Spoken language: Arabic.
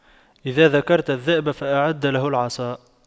إذا ذكرت الذئب فأعد له العصا